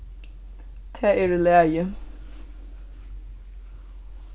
tað er í lagi